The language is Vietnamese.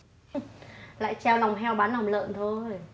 hư lại treo lòng heo bán lòng lợn thôi